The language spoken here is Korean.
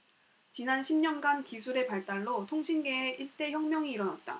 지난 십 년간 기술의 발달로 통신계에 일대 혁명이 일어났다